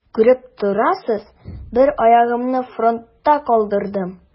Күреп торасыз: бер аягымны фронтта калдырдым.